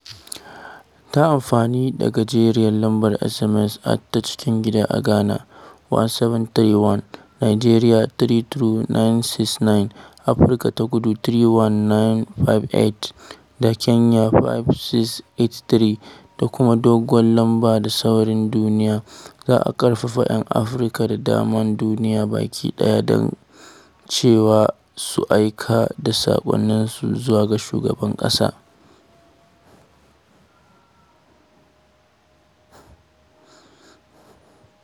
Ta amfani da gajeriyar lambar SMS ta cikin gida a Ghana (1731), Najeriya (32969), Afirka ta Kudu (31958) da Kenya (5683), da kuma doguwar lamba a sauran duniya*, za a ƙarfafa ‘yan Afirka da ma duniya baki ɗaya kan cewa su aika da saƙonninsu zuwa ga Shugaban Ƙasa.